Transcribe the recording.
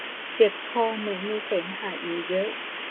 เจ็บคอเหมือนมีเสมหะอยู่เยอะ